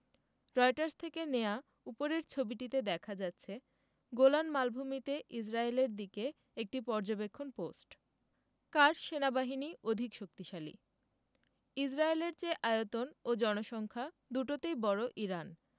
Reuters থেকে নেয়া উপরের ছবিটিতে দেখা যাচ্ছে গোলান মালভূমিতে ইসরায়েলের দিকের একটি পর্যবেক্ষণ পোস্ট কার সেনাবাহিনী অধিক শক্তিশালী ইসরায়েলের চেয়ে আয়তন ও জনসংখ্যা দুটোতেই বড় ইরান